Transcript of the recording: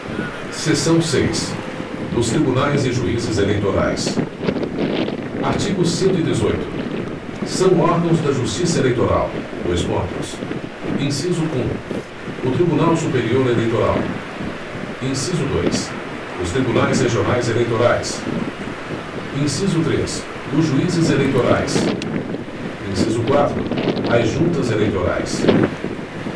seção seis dos tribunais e juízes eleitorais artigo cento e dezoito são órgãos da justiça eleitoral dois pontos inciso um o tribunal superior eleitoral inciso dois os tribunais regionais eleitorais inciso três os juízes eleitorais inciso quatro as juntas eleitorais